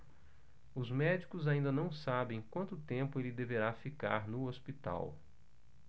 os médicos ainda não sabem quanto tempo ele deverá ficar no hospital